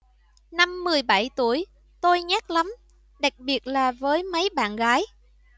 năm mười bảy tuổi tôi nhát lắm đặc biệt là với mấy bạn gái